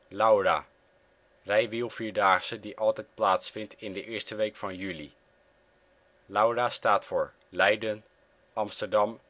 LAURA: Rijwielvierdaagse die altijd plaatsvindt in de eerste week van juli. " LAURA " staat voor Leiden, Amsterdam